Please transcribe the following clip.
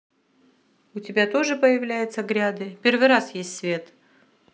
у тебя тоже появляется гряды первый раз есть свет